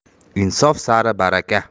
insof sari baraka